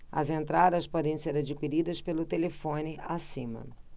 as entradas podem ser adquiridas pelo telefone acima